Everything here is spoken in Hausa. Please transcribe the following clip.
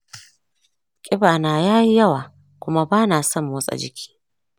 ƙiba na yayi yawa kuma bana son motsa jiki